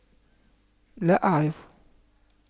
لا أعرف